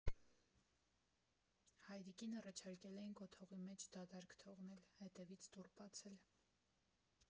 Հայրիկին առաջարկել էին կոթողի մեջ դատարկ թողնել, հետևից դուռ բացել։